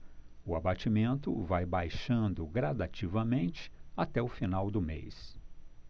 o abatimento vai baixando gradativamente até o final do mês